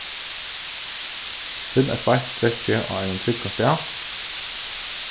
finn eitt beint strekki á einum tryggum stað